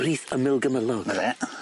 Brith Ymyl Gymylog? 'Na fe.